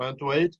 mae o'n dweud